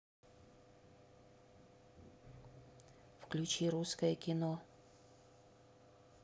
включи русское кино